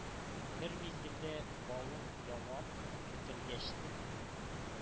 Бер мизгелдә балын ялап бетергәчтен